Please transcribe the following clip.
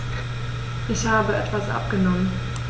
Ich habe etwas abgenommen.